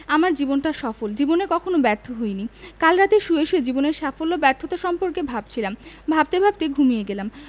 আমার জীবনটা সফল জীবনে কখনো ব্যর্থ হইনি কাল রাতে শুয়ে শুয়ে জীবনের সাফল্য ব্যর্থতা সম্পর্কে ভাবছিলাম ভাবতে ভাবতে ঘুমিয়ে গেলাম